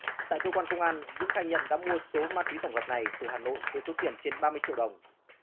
tại cơ quan công an dũng khai nhận đã mua số ma túy tổng hợp này từ hà nội với số tiền trên ba mươi triệu đồng